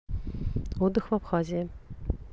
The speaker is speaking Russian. отдых в абхазии